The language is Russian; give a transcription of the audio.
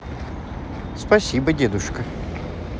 спасибо дедушка